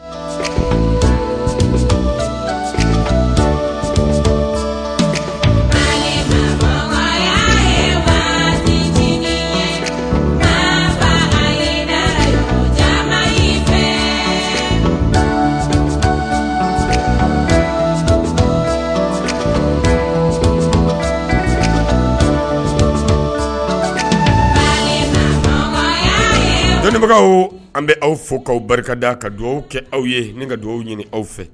'i fɛbagaw an bɛ aw fɔ kaaw barika da ka dugawu kɛ aw ye ne ka dugawu ɲini aw fɛ